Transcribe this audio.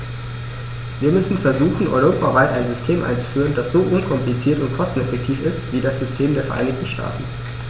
Wir müssen versuchen, europaweit ein System einzuführen, das so unkompliziert und kosteneffektiv ist wie das System der Vereinigten Staaten.